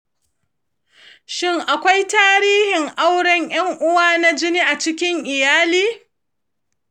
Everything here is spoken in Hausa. shin akwai tarihin auren ‘yan uwa na jini a cikin iyali?